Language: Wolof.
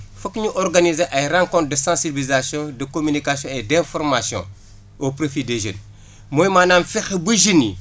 foog ñu organiser ay rencontres de sensibilisation de communication et d' inforation au profil des jeunes mooy maanaam fexe ba jëunes yi